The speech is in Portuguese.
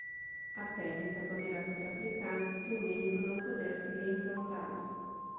a técnica poderá ser aplicada se o membro não puder ser reimplantado